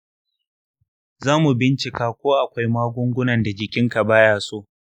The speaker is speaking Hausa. zamu bincika ko akwai magungunan da jikinka ba ya so.